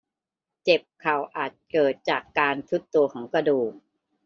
เจ็บเข่าอาจเกิดจากการทรุดตัวของกระดูก